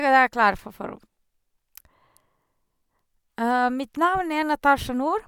Mitt navn er Natasa Nord.